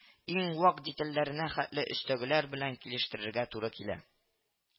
Иң вак детальләренә хәтле өстәгеләр белән килештерергә туры килә